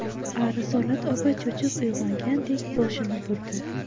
a risolat opa cho'chib uyg'ongandek boshini burdi